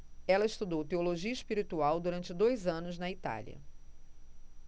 ela estudou teologia espiritual durante dois anos na itália